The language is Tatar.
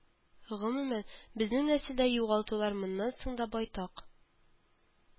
Гомумән, безнең нәселдә югалтулар моннан соң да байтак